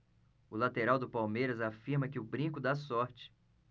o lateral do palmeiras afirma que o brinco dá sorte